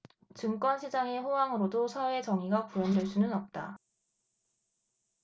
증권 시장의 호황으로도 사회 정의가 구현될 수는 없다